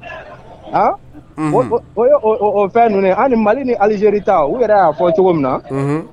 O fɛn mali ni alizeri ta u yɛrɛ y'a fɔ cogo min na